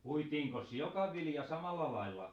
puitiinkos joka vilja samalla lailla